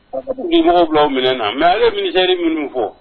Ni mɔgɔ bila minɛ na mɛ ale bɛ h minnu fɔ